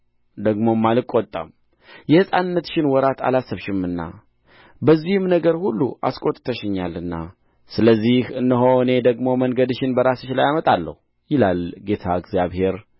ደግሞም አልቈጣም የሕፃንነትሽን ወራት አላሰብሽምና በዚህም ነገር ሁሉ አስቈጥተሽኛልና ስለዚህ እነሆ እኔ ደግሞ መንገድሽን በራስሽ ላይ አመጣለሁ ይላል ጌታ እግዚአብሔር